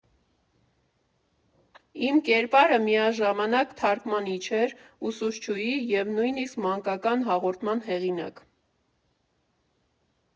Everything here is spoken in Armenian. Իմ կերպարը միաժամանակ թարգմանիչ էր, ուսուցչուհի և նույնիսկ մանկական հաղորդման հեղինակ։